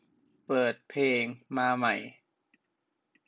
เปิดเพลงมาใหม่